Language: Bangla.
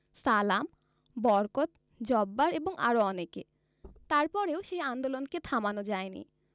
সালাম বরকত জব্বার এবং আরো অনেকে তারপরেও সেই আন্দোলনকে থামানো যায় নি